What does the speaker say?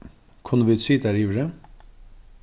kunnu vit sita har yviri